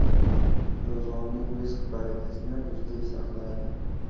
ro'zg'orning rizq barakasini o'zidek saqlayd